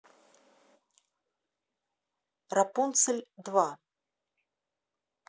рапунцель два